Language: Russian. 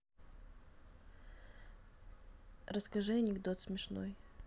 расскажи анекдот смешной